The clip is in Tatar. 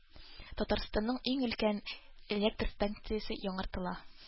Татарстанның иң өлкән электр станциясе яңартыла